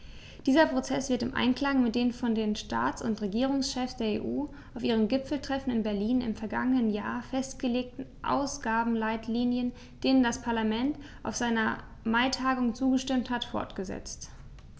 Dieser Prozess wird im Einklang mit den von den Staats- und Regierungschefs der EU auf ihrem Gipfeltreffen in Berlin im vergangenen Jahr festgelegten Ausgabenleitlinien, denen das Parlament auf seiner Maitagung zugestimmt hat, fortgesetzt.